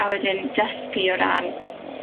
Aa wedyn dysgu o ran